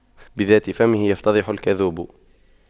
بذات فمه يفتضح الكذوب